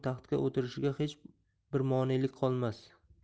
taxtga o'tirishiga hech bir monelik qolmas